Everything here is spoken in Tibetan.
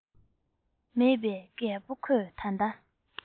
མེད པས རྒད པོ ཁོས ད ལྟ